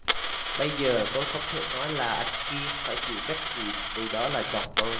bây giờ tôi không thể nói là anh kiên phải chịu trách nhiệm vì đó là chồng tôi